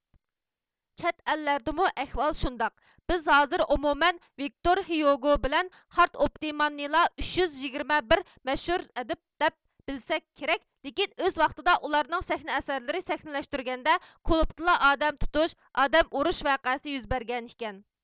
چەت ئەللەردىمۇ ئەھۋال شۇنداق بىز ھازىر ئومۇمەن ۋىكتور ھىيوگو بىلەن خارت ئۇپتىماننىلا ئۈچ يۈز يىگىرمە بىر مەشھۇر ئەدىب دەپ بىلسەك كېرەك لېكىن ئۆز ۋاقتىدا ئۇلارنىڭ سەھنە ئەسەرلىرى سەھنىلەشتۈرۈلگەندە كۇلۇبتىلا ئادەم تۇتۇش ئادەم ئۇرۇش ۋەقەسى يۈز بەرگەنىكەن